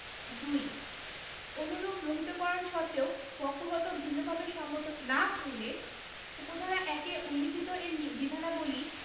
২ অনুরূপ রহিতকরণ সত্ত্বেও পক্ষগত ভিন্নভাবে সম্মত না হইলে উপ ধারা ১ এ উল্লিখিত এর বিধানাবলী